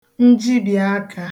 njibìakā